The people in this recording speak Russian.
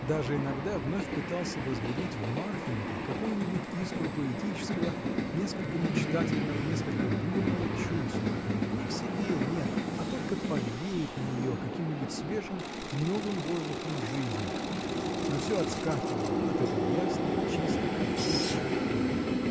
Даже иногда вновь пытался возбудить в Марфиньке какую-нибудь искру поэтического, несколько мечтательного, несколько бурного чувства, не к себе, нет, а только повеять на нее каким-нибудь свежим и новым воздухом жизни, но всё отскакивало от этой ясной, чистой и тихой натуры.